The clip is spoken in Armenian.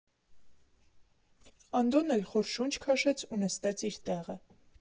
Անդոն էլ խոր շունչ քաշեց ու նստեց իր տեղը։